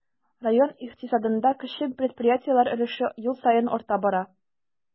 Район икътисадында кече предприятиеләр өлеше ел саен арта бара.